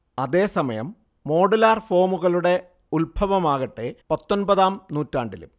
അതേസമയം, മോഡുലാർ ഫോമുകളുടെ ഉത്ഭവമാകട്ടെ, പത്തൊൻപതാം നൂറ്റാണ്ടിലും